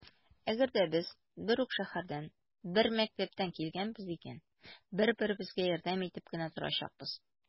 Әгәр дә без бер үк шәһәрдән, бер мәктәптән килгәнбез икән, бер-беребезгә ярдәм итеп кенә торачакбыз.